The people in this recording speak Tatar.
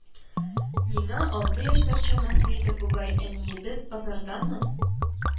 Миңа алты яшьләр чамасы иде бугай, әниебез базарданмы,